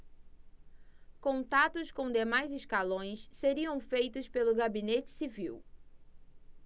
contatos com demais escalões seriam feitos pelo gabinete civil